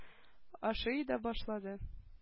Ашый да башлады.